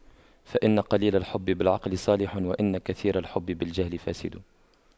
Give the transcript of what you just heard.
فإن قليل الحب بالعقل صالح وإن كثير الحب بالجهل فاسد